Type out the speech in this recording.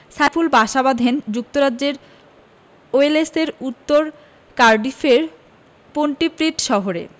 সাইফুল বাসা বাঁধেন যুক্তরাজ্যের ওয়েলসের উত্তর কার্ডিফের পন্টিপ্রিড শহরে